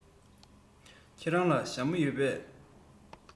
ཁྱེད རང ལ ཞྭ མོ ཡོད པས